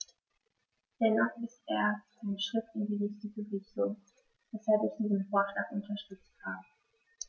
Dennoch ist er ein Schritt in die richtige Richtung, weshalb ich diesen Vorschlag unterstützt habe.